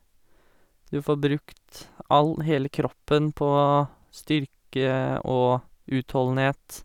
Du får brukt all hele kroppen på styrke og utholdenhet.